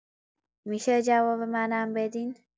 می‌شه جواب منم بدین